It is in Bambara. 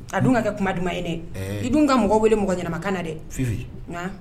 A dun ŋa kɛ kumaduman ye dɛ i dun ka mɔgɔ wele mɔgɔ ɲɛnɛmakan na dɛ Fifi ŋaa